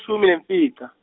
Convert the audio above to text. shumi nemfica.